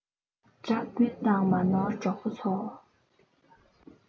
དགྲ སྤུན དང མ ནོར གྲོགས པོ ཚོ